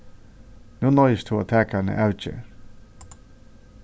nú noyðist tú at taka eina avgerð